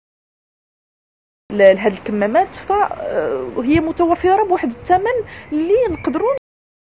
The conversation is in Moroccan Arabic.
وهي متوفيه واحد فمن لي